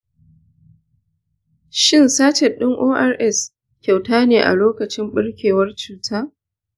shin sacet ɗin ors kyauta ne a lokacin ɓarkewar cuta?